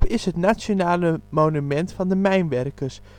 is het nationale monument van de mijnwerkers